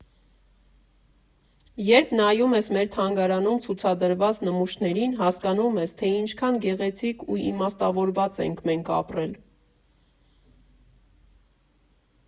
Երբ նայում ես մեր թանգարանում ցուցադրված նմուշներին, հասկանում ես, թե ինչքան գեղեցիկ ու իմաստավորված ենք մենք ապրել.